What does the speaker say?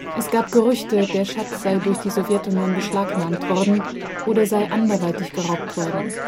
Gerüchte, der Schatz sei durch die Sowjetunion beschlagnahmt worden oder sei anderweitig geraubt worden